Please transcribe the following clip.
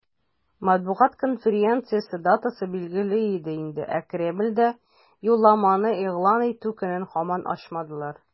Матбугат конференциясе датасы билгеле иде инде, ә Кремльдә юлламаны игълан итү көнен һаман ачмадылар.